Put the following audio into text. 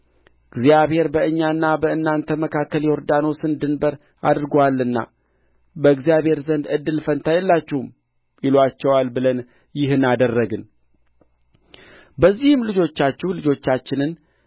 እግዚአብሔር በእኛና በእናንተ መካከል ዮርዳኖስን ድንበር አድርጎአልና በእግዚአብሔር ዘንድ እድል ፈንታ የላችሁም ይሉአቸዋል ብለን ይህን አደረግን በዚህም ልጆቻችሁ ልጆቻችንን